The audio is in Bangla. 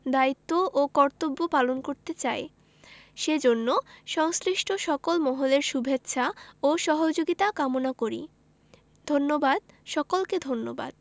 দায়িত্ব ও কর্তব্য পালন করতে চাই সেজন্য সংশ্লিষ্ট সকল মহলের শুভেচ্ছা ও সহযোগিতা কামনা করি ধন্যবাদ সকলকে ধন্যবাদ